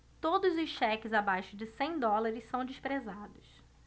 todos os cheques abaixo de cem dólares são desprezados